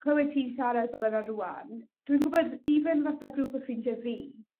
clywed ti'n siarad fel yna rŵan dwi'n gwbod even fatha grŵp o ffrindie fi